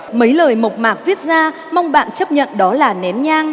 mấy lời mộc mạc viết ra mong bạn chấp nhận đó là nén nhang